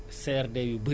mais lu wér te am